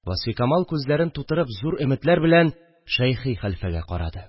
Васфикамал, күзләрен тутырып, зур өметләр белән Шәйхи хәлфәгә карады